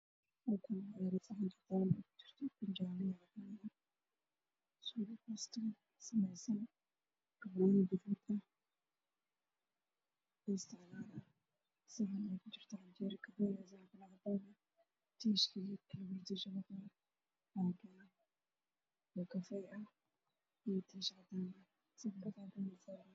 Halkaan waxaa ka muuqdo miis ay saaran yihiin saxan cad oo ay ku jirto ukun iyo suugo cagaaran saxan jabaati uu ku jiro wuu saaran yahay